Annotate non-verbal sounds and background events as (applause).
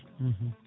(hesitation) (hesitation)